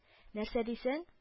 — нәрсә дисең